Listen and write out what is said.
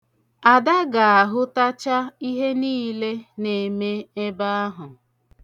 Ada ga-ahụtacha ihe niile na-eme ebe ahụ.